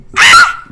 Ba